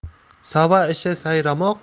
sa'va ishi sayramoq